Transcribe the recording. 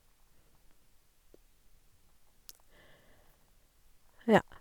Ja.